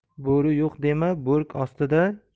bo'ri yo'q dema bo'rk ostida